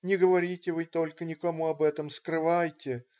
не говорите вы только никому об этом. скрывайте.